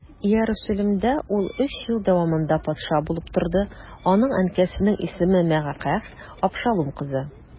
Иерусалимдә ул өч ел дәвамында патша булып торды, аның әнкәсенең исеме Мәгакәһ, Абшалум кызы.